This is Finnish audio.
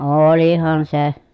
olihan se